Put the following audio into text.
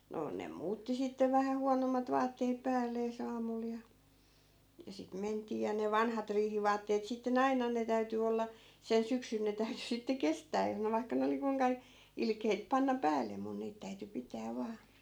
no ne muutti sitten vähän huonommat vaatteet päällensä aamulla ja ja sitten mentiin ja ne vanhat riihivaatteet sitten aina ne täytyi olla sen syksyn ne täytyi sitten kestää jos ne vaikka ne oli kuinka ilkeitä panna päälle minun niitä täytyi pitää vain